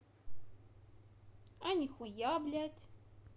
а нихуя блядь